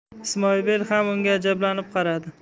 ismoilbey ham unga ajablanib qaradi